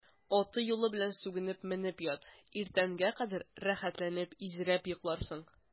Аты-юлы белән сүгенеп менеп ят, иртәнгә кадәр рәхәтләнеп изрәп йокларсың.